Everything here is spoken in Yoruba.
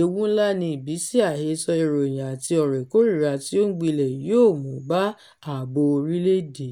ewu ńlá ni ìbísí àhesọ ìròyìn àti ọ̀rọ̀ ìkórìíra tí ó ń gbilẹ̀ yóò mú bá ààbò orílẹ̀-èdè.